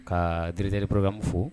Ka treteriorobamu fo